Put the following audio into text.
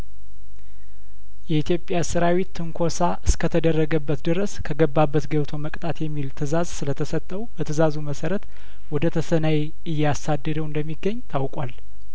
የኢትዮጵያ ሰራዊት ትንኮሳ እስከተደረገበት ድረስ ከገባበት ገብቶ መቅጣት የሚል ትዛዝ ስለተሰጠው በትዛዙ መሰረት ወደ ተሰነይ እያሳደደው እንደሚገኝ ታውቋል